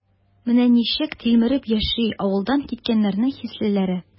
Менә ничек тилмереп яши авылдан киткәннәрнең хислеләре?